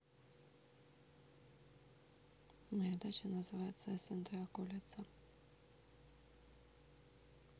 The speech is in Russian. моя дача называется снт околица